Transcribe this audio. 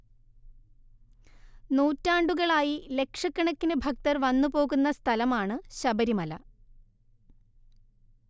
നൂറ്റാണ്ടുകളായി ലക്ഷക്കണക്കിന് ഭക്തർ വന്നു പോകുന്ന സഥലമാണ് ശബരിമല